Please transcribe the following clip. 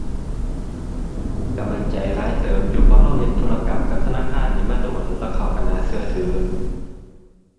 ก็มั่นใจหลายเติบอยู่ เพราะก็เฮ็ดธุรกรรมกับธนาคารนี้มาโดน แล้วเขาก็น่าก็ถือ